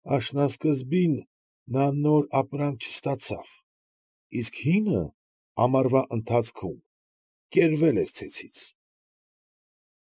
Աշնան սկզբին նա նոր ապրանք չստացավ, իսկ հինը ամառվա ընթացքում կերվել էր ցեցից։